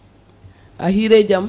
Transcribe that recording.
a hiire jaam